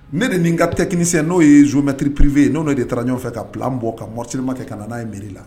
Ne de n'in ka technicien n'o ye géométre privé ye ne n'o de taara ɲɔgɔn fɛ ka plan bɔ ka morcellement kɛ ka na n'a ye mairie la